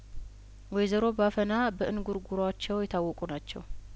ወይዘሮ ባፈና በእንጉርጉሯቸው የታወቁ ናቸው